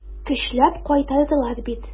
Көчләп кайтардылар бит.